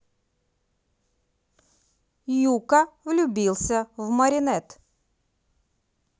юка влюбился в маринет